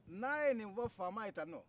n'a ye nin fɔ faama ye tan nɔ